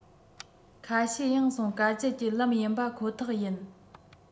ཁ ཤས ཡང སོང དཀའ སྤྱད ཀྱི ལམ ཡིན པ ཁོ ཐག ཡིན